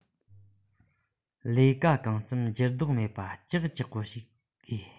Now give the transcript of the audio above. ལས ཀ གང བརྩམས འགྱུར ལྡོག མེད པ ཅག ཅག པོ ཞིག དགོས